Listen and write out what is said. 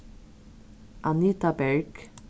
anita berg